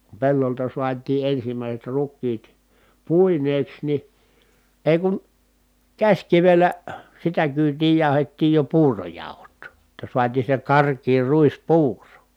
kun pellolta saatiin ensimmäiset rukiit puineeksi niin ei kun käsikivellä sitä kyytiä jauhettiin jo puurojauhot jotta saatiin se karkea ruispuuro